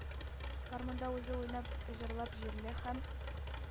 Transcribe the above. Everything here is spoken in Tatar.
Гармунда үзе уйнап-җырлап, җирле һәм